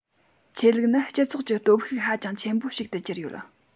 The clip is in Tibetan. ཆོས ལུགས ནི སྤྱི ཚོགས ཀྱི སྟོབས ཤུགས ཧ ཅང ཆེན པོ ཞིག ཏུ གྱུར ཡོད